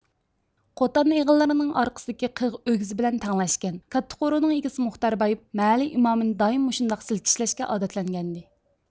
قوتان ئېغىللىرىنىڭ ئارقىسىدىكى قىغ ئۆگزە بىلەن تەڭلەشكەن كاتتا قورۇنىڭ ئىگىسى مۇختەرباي مەھەللە ئىمامىنى دائىم مۇشۇنداق سىلكىشلەشكە ئادەتلەنگەنىدى